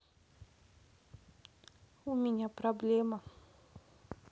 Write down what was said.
у меня проблема